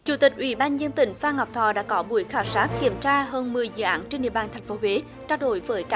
chủ tịch ủy ban nhân dân tỉnh phan ngọc thọ đã có buổi khảo sát kiểm tra hơn mười dự án trên địa bàn thành phố huế trao đổi với các